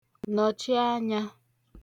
nọ̀chi anyā